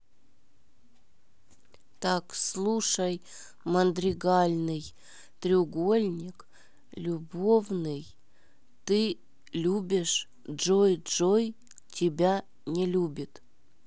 так слушай мадригальный треугольник любовный ты любишь джой джой тебя не любит